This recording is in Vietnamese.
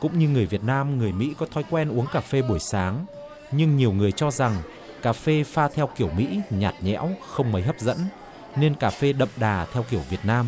cũng như người việt nam người mỹ có thói quen uống cà phê buổi sáng nhưng nhiều người cho rằng cà phê pha theo kiểu mỹ nhạt nhẽo không mấy hấp dẫn nên cà phê đậm đà theo kiểu việt nam